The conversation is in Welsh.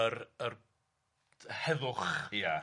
yr yr heddwch... Ia...